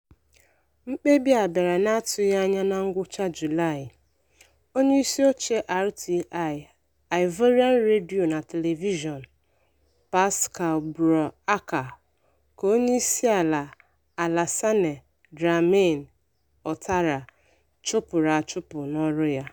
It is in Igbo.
Mkpebi a bịara n'atụghịanya na ngwụcha Julaị: Onyeisi oche RTI (Ivorian Radio na Television),Pascal Brou Aka, ka Onyeisiala Alassane Dramane Ouattara, chụpụrụ achụpụ n'ọrụ ya.